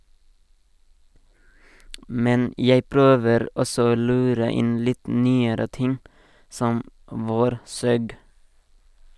Men jeg prøver også å lure inn litt nyere ting, som "Vårsøg".